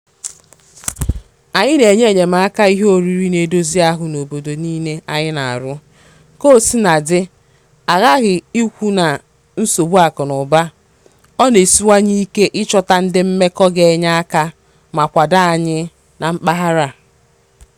Anyị na-enye enyemaka ihe oriri na-edozi ahụ n'obodo niile anyị na-arụ, kaosinadị, a ghaghị ikwu na nsogbu akụnaụba, ọ na-esiwanye ike ịchọta ndị mmekọ ga-enye aka ma kwado anyị na mpaghara a.